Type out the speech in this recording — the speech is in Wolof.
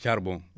charbon